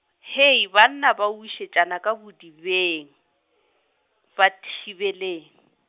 Hei banna ba wišetšana ka bodibeng, ba thibeleng.